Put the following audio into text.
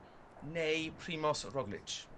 neu Primož Roglič.